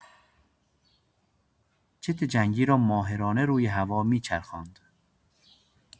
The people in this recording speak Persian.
جت جنگی را ماهرانه روی هوا می‌چرخاند